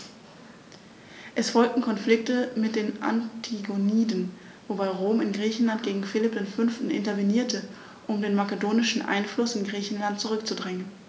Es folgten Konflikte mit den Antigoniden, wobei Rom in Griechenland gegen Philipp V. intervenierte, um den makedonischen Einfluss in Griechenland zurückzudrängen.